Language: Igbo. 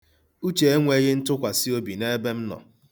Uche enweghị ntụkwasịobi na ebe m nọ.